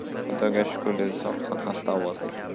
xudoga shukr dedi sobitxon xasta ovozda